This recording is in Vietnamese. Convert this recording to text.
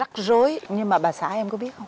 rắc rối nhưng mà bà xã em có biết không